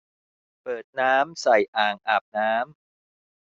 เปิดน้ำใส่อ่างอาบน้ำ